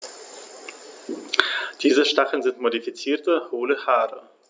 Diese Stacheln sind modifizierte, hohle Haare.